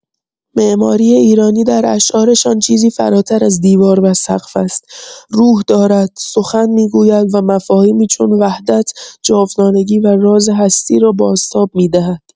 معماری ایرانی در اشعارشان چیزی فراتر از دیوار و سقف است؛ روح دارد، سخن می‌گوید و مفاهیمی چون وحدت، جاودانگی و راز هستی را بازتاب می‌دهد.